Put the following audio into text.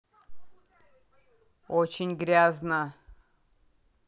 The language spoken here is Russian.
очень грязно